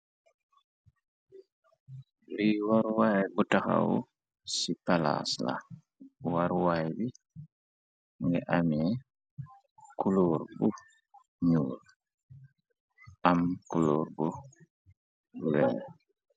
Li waruwaay bu tahaw ci palaas la waruwaay bi mu ngi ameh kulóur bu ñuul am kuloor bu buren.